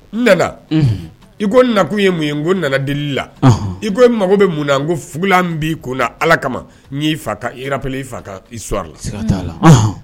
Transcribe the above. N nana i ko nakun ye mun ye n ko nana deli la i ko e mako bɛ mun na kougula bi kun ala kama n'i faraple fa suwa